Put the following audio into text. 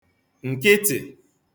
ǹkịtị̀